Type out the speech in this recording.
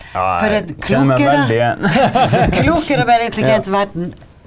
for en klokere, klokere og mer intelligent verden.